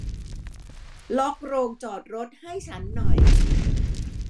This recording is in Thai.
ล็อกโรงจอดรถให้ฉันหน่อย